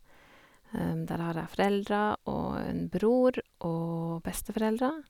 Der har jeg foreldre og en bror og besteforeldre.